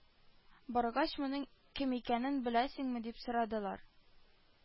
Баргач, моның кем икәнен беләсеңме, дип сорадылар